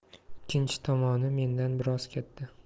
ikkinchi tomoni mendan biroz katta